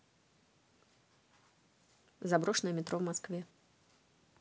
заброшенное метро в москве